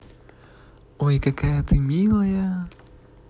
ой какая ты милая